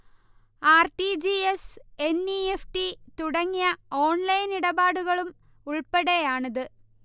R. T. G. S., N. E. F T. തുടങ്ങിയ online ഇടപാടുകളും ഉൾപ്പടെയാണിത്